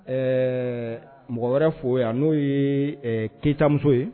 Ɛɛ mɔgɔ wɛrɛ fo yan n'o ye keyitatamuso ye